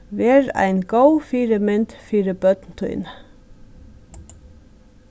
ver ein góð fyrimynd fyri børn tíni